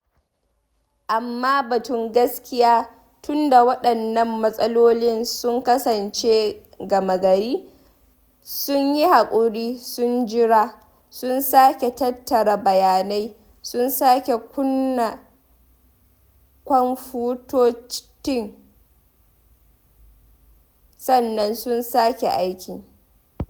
Amma batun gaskiya, tunda waɗannan matsalolin sun kasance gama-gari, sun yi haƙuri, sun jira, sun sake tattara bayanai, sun sake kunna kwanfutotin, sannan sun sake aiki.